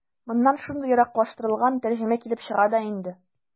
Моннан шундый яраклаштырылган тәрҗемә килеп чыга да инде.